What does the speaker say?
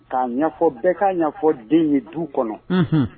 K' ɲɛfɔ bɛɛ ka ɲɛfɔ den ye du kɔnɔ